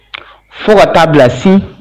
Fo ka taaa bila sin